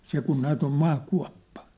se kun näet on maakuoppa